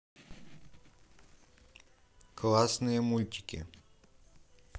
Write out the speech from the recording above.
классные мультики